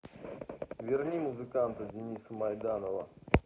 верни музыканта дениса майданова